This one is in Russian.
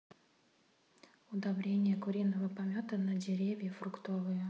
удобрение куриного помета на деревья фруктовые